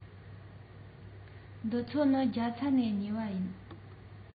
འདི ཚོ ནི རྒྱ ཚ ནས ཉོས པ ཡིན